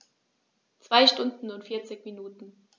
2 Stunden und 40 Minuten